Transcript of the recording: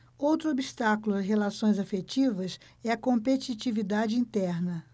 outro obstáculo às relações afetivas é a competitividade interna